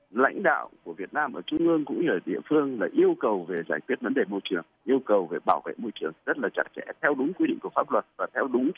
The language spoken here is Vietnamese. lãnh đạo của việt nam ở trung ương cũng như ở địa phương đã yêu cầu về giải quyết vấn đề môi trường yêu cầu phải bảo vệ môi trường rất là chặt chẽ theo đúng quy định của pháp luật và theo đúng cái